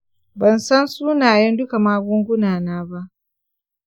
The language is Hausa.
ban san sunayen duka magungunana ba.